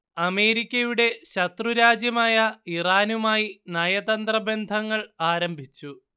അമേരിക്കയുടെ ശത്രുരാജ്യമായ ഇറാനുമായി നയതന്ത്ര ബന്ധങ്ങൾ ആരംഭിച്ചു